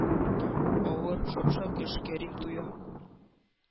Авыр, шапшак эш. Кәрим туя.